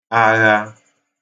agha